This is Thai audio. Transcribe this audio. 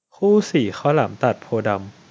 คู่สี่ข้าวหลามตัดโพธิ์ดำ